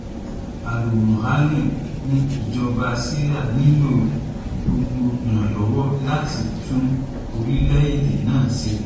Al-Moualem ní ìjọba Syria nílò gbogbo ìrànlọwọ́ láti tún orílẹ̀-èdè náà ṣe.